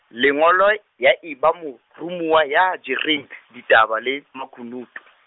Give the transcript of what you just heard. lengolo ya eba moromuwa, ya jarang, ditaba le makunutu.